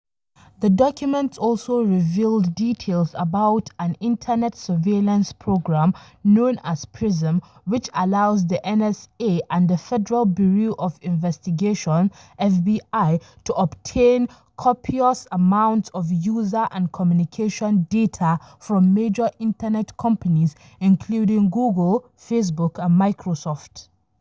The documents also revealed details about an Internet surveillance program known as PRISM, which allows the NSA and the Federal Bureau of Investigation (FBI) to obtain copious amounts of user and communication data from major Internet companies including Google, Facebook, and Microsoft.